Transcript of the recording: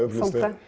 sant det.